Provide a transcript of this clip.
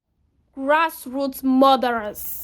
Grassroots murderers